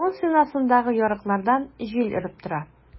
Вагон стенасындагы ярыклардан җил өреп тора.